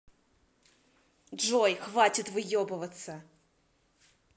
джой хватит выебываться